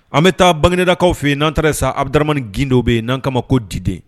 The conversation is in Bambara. An bɛ taa baginedakaw fɛ yen n'an taara yen sa Abuduramani Gindo bɛ yen n'an ko a ma ko dide